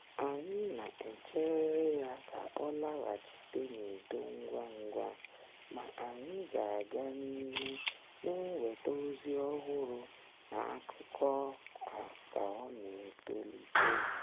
Anyị na-echeere ya ka ọ laghachite n'udo ngwangwa, ma anyị ga-aga n'ihu na-eweta ozi ọhụrụ n'akụkọ a ka ọ na-etolite.